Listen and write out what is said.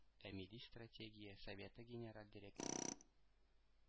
Ә Милли стратегия советы генераль директоры